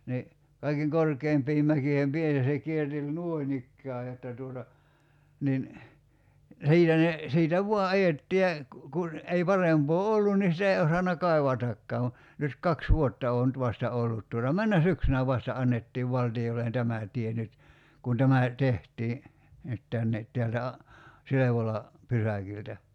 niin kaiken korkeimpien mäkien päällä se kierteli noin ikään jotta tuota niin siitä ne siitä vain ajettiin ja - kun ei parempaa ollut niin sitä ei osannut kaivatakaan vaan nyt kaksi vuotta on nyt vasta ollut tuota menneenä syksynä vasta annettiin valtiolle tämä tie nyt kun tämä tehtiin nyt tänne täältä - Silvolan pysäkiltä